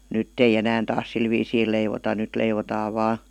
nyt ei enää taas sillä viisiin leivota nyt leivotaan vain